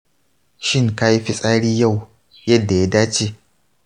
shin kayi fitsari yau yadda ya dace?